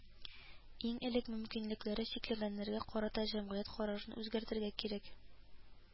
Иң элек мөмкинлекләре чикләнгәннәргә карата җәмгыять карашын үзгәртергә кирәк